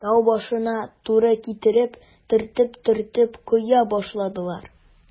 Тау башына туры китереп, төртеп-төртеп коя башладылар.